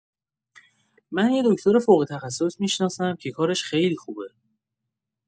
من یه دکتر فوق‌تخصص می‌شناسم که کارش خیلی خوبه.